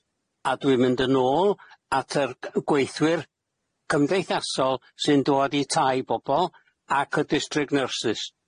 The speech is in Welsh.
A dwi'n mynd yn ôl at yr g- gweithwyr cymdeithasol sy'n dŵad i tai bobol, ac y district nurses.